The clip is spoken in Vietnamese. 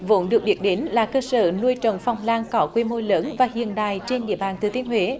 vốn được biết đến là cơ sở nuôi trồng phong lan có quy mô lớn và hiện đại trên địa bàn thừa thiên huế